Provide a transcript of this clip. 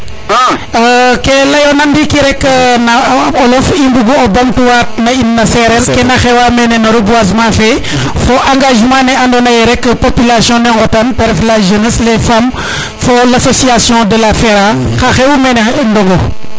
ke leyona ndiki rek na olof i mbugu o bamtuwat na in na sereer kena xewa mene no reboisement fe fo engagement ne ando naye rek population ne ŋotan te ref la jeunesse les femmes fo l' association de la FERA xa xewu mene Ngongo